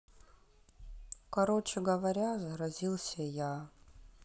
короче говоря заразился я